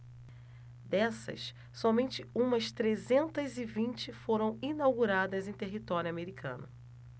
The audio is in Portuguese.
dessas somente umas trezentas e vinte foram inauguradas em território americano